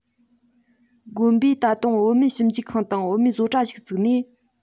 དགོན པས ད རུང བོད སྨན ཞིབ འཇུག ཁང དང བོད སྨན བཟོ གྲྭ ཞིག བཙུགས ནས